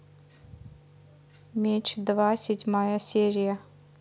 меч два седьмая серия